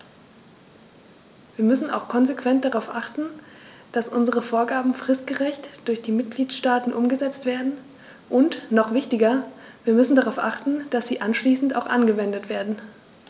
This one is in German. Wir müssen auch konsequent darauf achten, dass unsere Vorgaben fristgerecht durch die Mitgliedstaaten umgesetzt werden, und noch wichtiger, wir müssen darauf achten, dass sie anschließend auch angewendet werden.